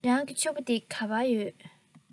རང གི ཕྱུ པ དེ ག པར ཡོད